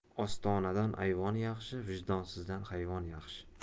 ostonadan ayvon yaxshi vijdonsizdan hayvon yaxshi